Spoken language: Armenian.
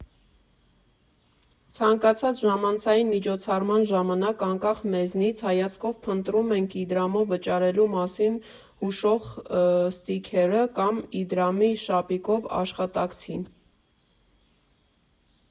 Ցանկացած ժամանցային միջոցառման ժամանակ, անկախ մեզնից, հայացքով փնտրում ենք Իդրամով վճարելու մասին հուշող սթիքերը կամ Իդրամի շապիկով աշխատակցին։